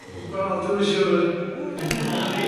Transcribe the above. Hmm. Wel, dwi'm yn siŵr. Na fi!